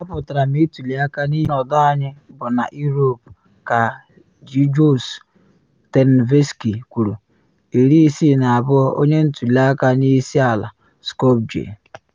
“Apụtara m ituli aka n’ihi ụmụaka m, ọnọdụ anyị bụ na Europe,” ka Gjose Tanevski kwuru, 62, onye ntuli aka n’isi ala, Skopje.